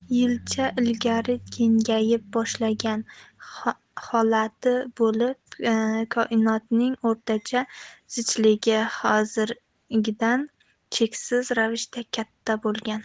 yilcha ilgari kengayib boshlagan holati bo'lib koinotning o'rtacha zichligi hozirgisidan cheksiz ravishda katta bo'lgan